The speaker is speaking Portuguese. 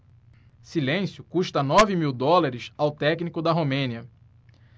silêncio custa nove mil dólares ao técnico da romênia